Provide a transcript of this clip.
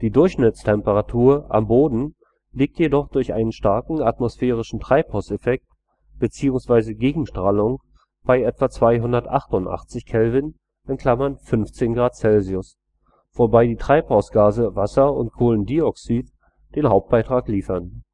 Durchschnittstemperatur am Boden liegt jedoch durch einen starken atmosphärischen Treibhauseffekt bzw. Gegenstrahlung bei etwa 288 K (15 °C), wobei die Treibhausgase Wasser und Kohlendioxid den Hauptbeitrag liefern